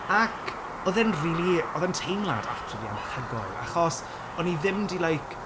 ac, oedd e'n rili... odd e'n teimlad absolutely anhygoel, achos o'n i ddim 'di like...